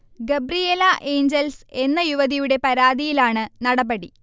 Gabriela Angels എന്ന യുവതിയുടെ പരാതിയിലാണ് നടപടി